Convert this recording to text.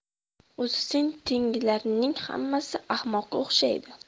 o'zi sen tengilarning hammasi ahmoqqa o'xshaydi